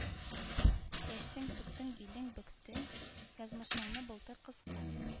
Яшең түктең билең бөктең язмышыңны былтыр кыскан